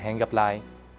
hẹn gặp lại